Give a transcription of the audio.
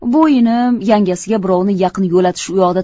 bu inim yangasiga birovni yaqin yo'latish u yoqda